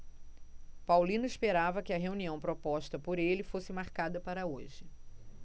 paulino esperava que a reunião proposta por ele fosse marcada para hoje